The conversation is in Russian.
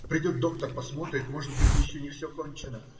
Придет доктор, посмотрит; может быть, еще не все кончено.